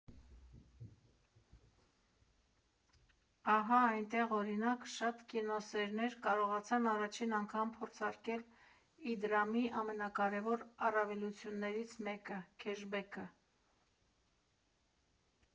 Ահա այնտեղ, օրինակ, շատ կինոսերներ կարողացան առաջին անգամ փորձարկել Իդրամի ամենակարևոր առավելություններից մեկը՝ քեշբեքը։